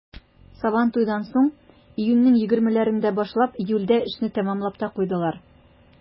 Сабантуйдан соң, июньнең 20-ләрендә башлап, июльдә эшне тәмамлап та куйдылар.